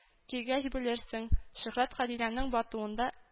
– кергәч белерсең. шөһрәт, гадиләнең батуында